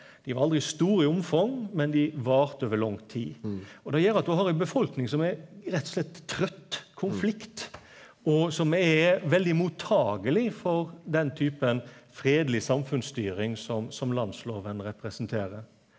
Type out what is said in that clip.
dei var aldri store i omfang men dei varte over lang tid og det gjer at du har ei befolkning som er rett og slett trøytt konflikt og som er veldig mottakeleg for den typen fredeleg samfunnsstyring som som landsloven representerer.